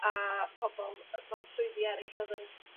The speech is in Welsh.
a pobol yy mewn swyddi eryll odd yn